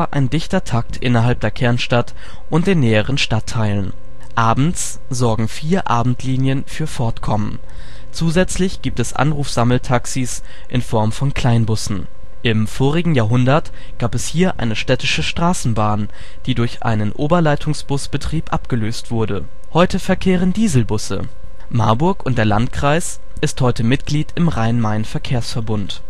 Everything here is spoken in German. ein dichter Takt innerhalb der Kernstadt und den näheren Stadtteilen. Abends sorgen vier Abendlinien für Fortkommen, zusätzlich gibt es Anrufsammeltaxis in Form von Kleinbussen. Im vorigen Jahrhundert gab es hier eine Städtische Straßenbahn, die durch einen Oberleitungsbus-Betrieb abgelöst wurde. Heute verkehren Dieselbusse. Marburg und der Landkreis ist heute Mitglied im Rhein-Main-Verkehrsverbund